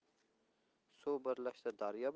suv birlashsa daryo